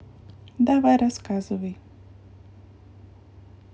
давай рассказывай